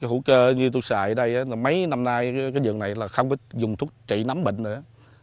hữu cơ như tui xài đây mấy năm nay ấy cái vùng này là không có dùng thuốc trị nấm bệnh nữa